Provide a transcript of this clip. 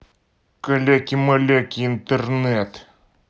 каляки маляки интернет